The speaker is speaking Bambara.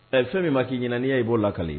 Ɛ fɛn min ma k'i ɲɛna n’i ya ye, i b'o lakali